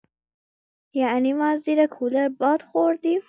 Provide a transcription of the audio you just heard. یعنی ما زیر کولر باد خوردیم.